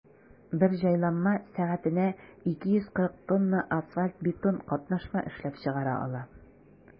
Бер җайланма сәгатенә 240 тонна асфальт–бетон катнашма эшләп чыгара ала.